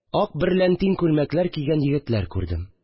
Ак берләнтин күлмәкләр кигән егетләр күрдем